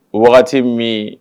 O wagati min